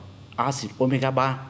a xít ô mê ga ba